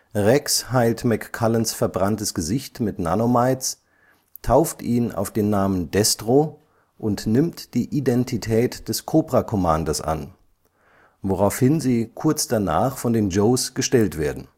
Rex heilt McCullens verbranntes Gesicht mit Nano-mites, tauft ihn auf den Namen „ Destro “und nimmt die Identität des Cobra Commanders an, woraufhin sie kurz danach von den Joes gestellt werden